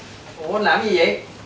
bộ anh làm cái gì dậy